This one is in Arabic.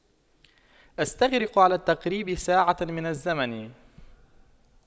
استغرق على التقريب ساعة من الزمن